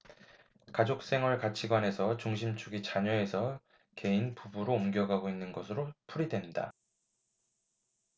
가족생활 가치관에서 중심축이 자녀에서 개인 부부로 옮겨가고 있는 것으로 풀이된다